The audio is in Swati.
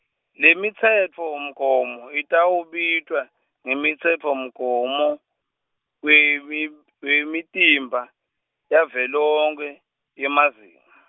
lemitsetfomgomo itawubitwa, ngemitsetfomgomo, wemim- yemitimba, yavelonkhe, yemazinga.